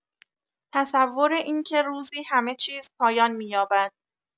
تصور این که روزی همه‌چیز پایان می‌یابد.